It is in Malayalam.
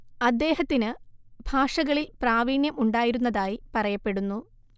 അദ്ദേഹത്തിന് ഭാഷകളിൽ പ്രാവീണ്യം ഉണ്ടായിരുന്നതായി പറയപ്പെടുന്നു